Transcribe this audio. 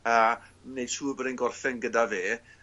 yy a neud siŵ bod e'n gorffen gyda fe